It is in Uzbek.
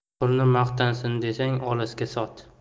qulni maqtansin desang olisga sot